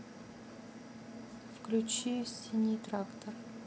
включи синий трактор